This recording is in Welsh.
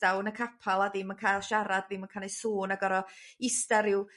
yn y capal a ddim yn ca'l siarad, dim yn canu sŵn a gor'o' ista ryw